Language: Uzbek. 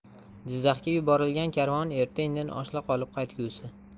jizzaxga yuborilgan karvon erta indin oshliq olib qaytgusi